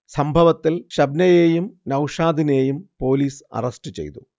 സംഭവത്തിൽ ഷബ്നയേയും നൗഷാദിനേയും പൊലീസ് അറസ്റ്റ് ചെയ്തു